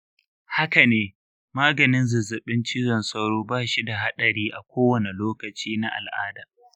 haka ne, maganin zazzabin cizon sauro ba shi da haɗari a kowane lokaci na al'ada.